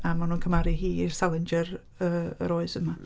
A maen nhw'n cymharu hi i'r Sallinger yr oes yma.